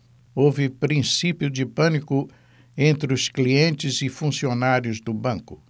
houve princípio de pânico entre os clientes e funcionários do banco